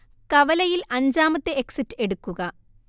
കവലയിൽ അഞ്ചാമത്തെ എക്സിറ്റ് എടുക്കുക